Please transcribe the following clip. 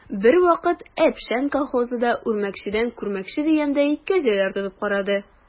Бервакыт «Әпшән» колхозы да, үрмәкчедән күрмәкче дигәндәй, кәҗәләр тотып карады.